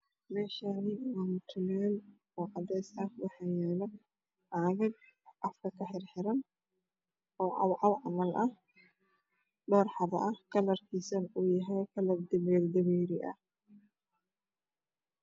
Meshani waa mutuleel ocades ahwaxa yaalo caagag Afka kaxirxiran ocaw caw camal ah dhorxabo ah kalarki Sana uyahay kalar dameri dameriah